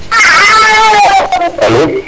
alo